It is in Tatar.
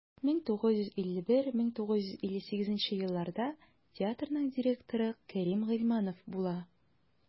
1951-1958 елларда театрның директоры кәрим гыйльманов була.